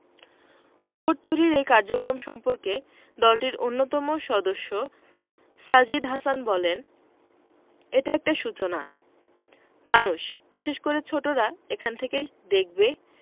robot তৈরির এ কার্যক্রম সম্পর্কে দলটির অন্যতম সদস্য সাজিদ হাসান বললেন এটা একটা সূচনা মানুষ বিশেষ করে ছোটরা এখান থেকে দেখবে